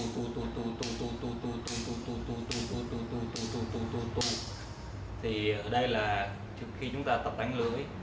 đánh lưỡi thế này tù tù tù tù tù tù tù tù tù tù tù tù tù ở đây là đánh lưỡi